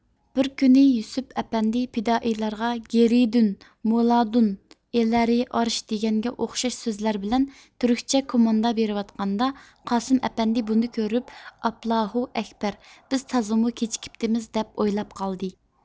بىر كۈنى يۈسۈپ ئەپەندى پىدائىيلارغا گېرى دۈن مولادۇن ئىلەرى ئارش دېگەنگە ئوخشاش سۆزلەر بىلەن تۈركچە قوماندا بېرىۋاتقاندا قاسىم ئەپەندى بۇنى كۆرۈپ ئاپلاھۇ ئەكبەر بىز تازىمۇ كېچىكىپتىمىز دەپ ئويلاپ قالدى